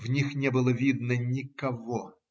в них не было видно никого.